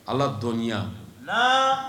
Ala dɔɔninya